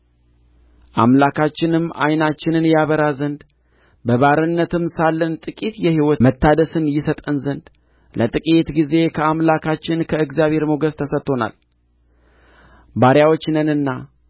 አምላካችንም ዓይናችንን ያበራ ዘንድ በባርነትም ሳለን ጥቂት የሕይወት መታደስን ይሰጠን ዘንድ ለጥቂት ጊዜ ከአምላካችን ከእግዚአብሔር ሞገስ ተሰጥቶናል ባሪያዎች ነንና